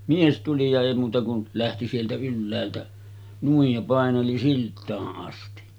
mies tuli ja ei muuta kuin lähti sieltä ylhäältä noin ja paineli siltaan asti